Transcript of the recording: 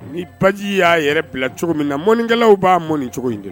Ni baji y'a yɛrɛ bila cogo min na mɔnɔnikɛlaw b'a mɔnɔni cogo in de